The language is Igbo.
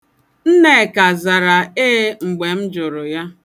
Nneka zara ee mgbe m jụrụ ya.